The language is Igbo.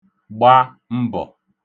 gba mbọ̀